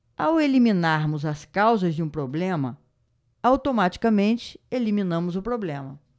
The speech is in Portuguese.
ao eliminarmos as causas de um problema automaticamente eliminamos o problema